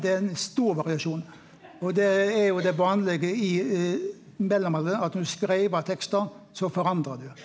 det er ein stor variasjon og det er jo det vanlege i mellomalderen at når du skreiv av tekstar så forandra du.